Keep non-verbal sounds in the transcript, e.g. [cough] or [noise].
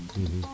[hesitation] [hesitation]